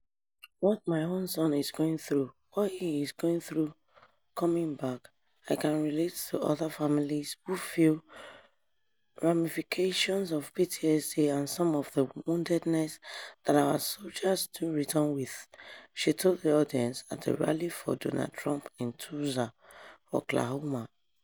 "What my own son is going through, what he is going through coming back, I can relate to other families who feel ramifications of PTSD and some of the woundedness that our soldiers do return with," she told the audience at a rally for Donald Trump in Tulsa, Oklahoma.